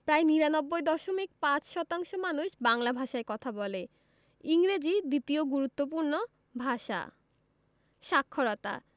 প্রায় ৯৯দশমিক ৫শতাংশ মানুষ বাংলা ভাষায় কথা বলে ইংরেজি দ্বিতীয় গুরুত্বপূর্ণ ভাষা সাক্ষরতাঃ